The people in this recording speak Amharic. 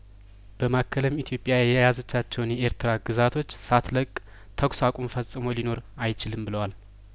በማከልም ኢትዮጵያ የያዘቻቸውን የኤርትራ ግዛቶች ሳት ለቅ ተኩስ አቁም ፈጽሞ ሊኖር አይችልም ብለዋል